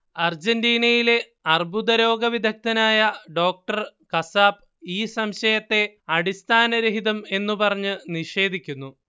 അർജന്റീനിയയിലെ അർബുദരോഗവിദഗ്ദനായ ഡോക്ടർ കസാപ് ഈ സംശയത്തെ അടിസ്ഥാനരഹിതം എന്നു പറഞ്ഞ് നിഷേധിക്കുന്നു